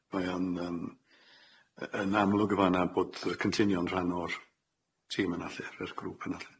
Mae o'n yym y- yn amlwg yn fan'na bod y cynllunio yn rhan o'r tîm yna lly, yr grŵp yna lly.